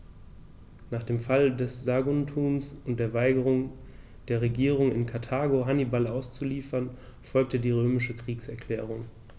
Nach dem Fall Saguntums und der Weigerung der Regierung in Karthago, Hannibal auszuliefern, folgte die römische Kriegserklärung.